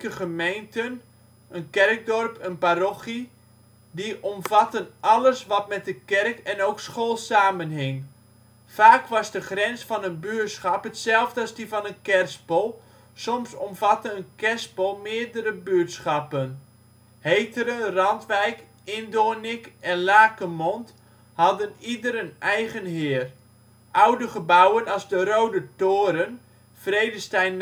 gemeenten, kerkdorp, parochie), die omvatten alles wat met de kerk en ook school samenhing. Vaak was de grens van een buurschap hetzelfde als die van een kerspel, soms omvatte een kerspel meerdere buurtschappen. Heteren, Randwijk, Indoornik en Lakemond hadden ieder een eigen heer. Oude gebouwen als de Roode Toren, Vredesteyn